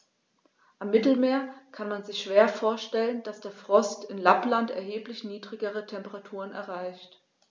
Am Mittelmeer kann man sich schwer vorstellen, dass der Frost in Lappland erheblich niedrigere Temperaturen erreicht.